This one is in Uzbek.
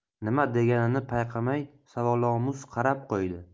nima deganini payqamay savolomuz qarab qo'ydi